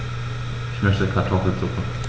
Ich möchte Kartoffelsuppe.